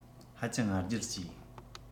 ཧ ཅང ང རྒྱལ སྐྱེས